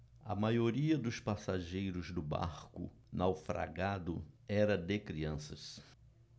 a maioria dos passageiros do barco naufragado era de crianças